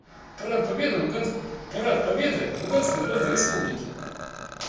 парад победы в луганской народной республике